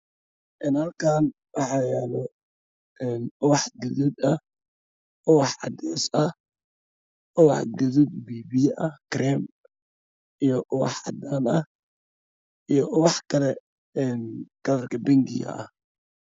Waxa ay muuqda ubax oo saaran miis ka kooban cadaan caddeys qaxwi